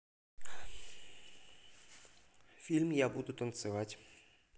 фильм я буду танцевать